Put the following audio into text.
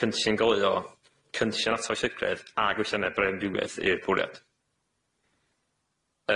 cynllun goleuo cynllun atal llygredd a gweillianne bioamrywieth i'r bwriad.